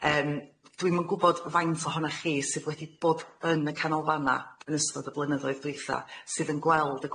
Yym, dwi'm yn gwbod faint ohonach chi sydd wedi bod yn y canolfanna yn ystod y blynyddoedd dwytha, sydd yn gweld y gwaith.